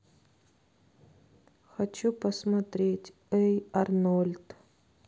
хочу посмотреть эй арнольд